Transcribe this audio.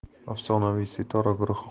afsonaviy setora guruhi